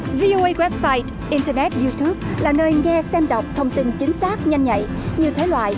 vi ô ây goét sai in tơ nét diu tút là nơi nghe xem đọc thông tin chính xác nhanh nhạy nhiều thể loại